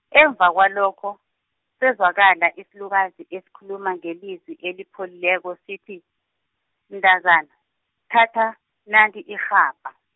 emva kwalokho, sezwakala isilukazi esikhuluma ngelizwi elipholileko sithi, mntazana, thatha nanti irhabha.